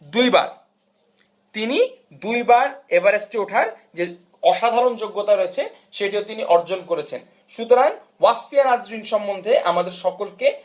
দুইবার তিনি দুই বার এভারেস্টে ওঠার যে অসাধারণ যোগ্যতা রয়েছে সেটিও তিনি অর্জন করেছেন সুতরাং ওয়াসফিয়া নাজরীন সম্বন্ধে আমাদের সকলকে